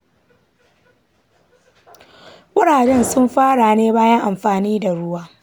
kurajen sun fara ne bayan amfani da ruwan?